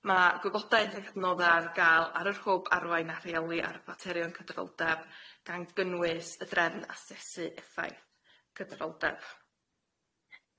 Ma' gwybodaeth a cydnodda ar ga'l ar y rhwb arwain â rheoli ar y faterion cydraoldeb gan gynnwys y drefn asesu effaith cydraoldeb.